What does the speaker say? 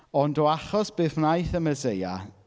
Ond o achos beth wnaeth y Meseia...